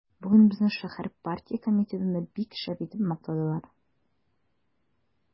Бүген безне шәһәр партия комитетында бик шәп итеп мактадылар.